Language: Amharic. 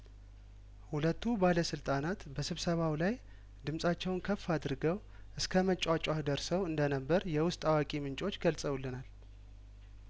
ሁለቱ ባለስልጣናት በስብሰባው ላይ ድምጻቸውን ከፍ አድርገው እስከ መጯጫህ ደርሰው እንደነበር የውስጥ አዋቂ ምንጮች ገልጸውለናል